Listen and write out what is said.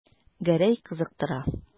Гәрәй кызыктыра.